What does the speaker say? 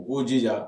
' jija